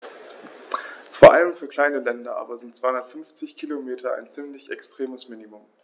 Vor allem für kleine Länder aber sind 250 Kilometer ein ziemlich extremes Minimum.